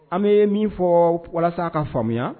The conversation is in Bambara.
An bɛ min fɔ walasa a ka faamuya